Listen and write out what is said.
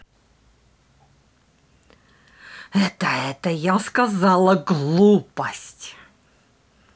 это это я сказала глупость